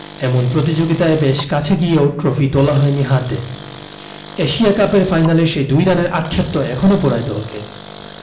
এমন প্রতিযোগিতায় বেশ কাছে গিয়েও ট্রফি তোলা হয়নি হাতে এশিয়া কাপের ফাইনালের সেই ২ রানের আক্ষেপ তো এখনো পোড়ায় দলকে